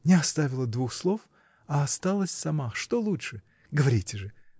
— Не оставила двух слов, а осталась сама: что лучше? Говорите же!